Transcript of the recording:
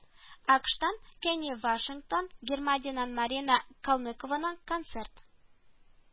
АКыШтан Кенни Вашингтон, Германиядән Марина Калмыкованың концерт